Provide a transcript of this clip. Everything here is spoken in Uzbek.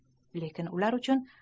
lekin ular uchun